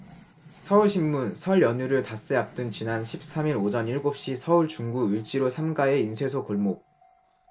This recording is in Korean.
서울신문 설 연휴를 닷새 앞둔 지난 십 삼 일 오전 일곱 시 서울 중구 을지로 삼 가의 인쇄소 골목